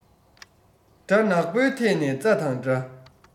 དགྲ ནག པོའི ཐད ན རྩྭ དང འདྲ